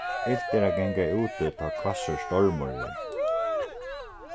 ilt er at ganga úti tá hvassur stormur er